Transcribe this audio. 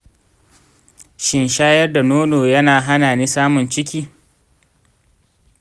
shin shayar da nono yaana hana ni samun ciki?